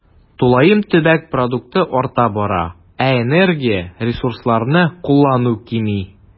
Тулаем төбәк продукты арта бара, ә энергия, ресурсларны куллану кими.